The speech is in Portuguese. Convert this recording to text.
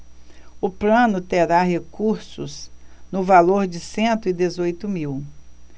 o plano terá recursos no valor de cento e dezoito mil